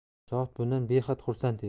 zohid bundan behad xursand edi